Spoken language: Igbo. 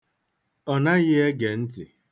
Ọ naghị ege ntị